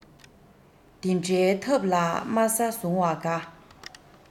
དེ འདྲའི ཐབས ལ དམའ ས བཟུང བ དགའ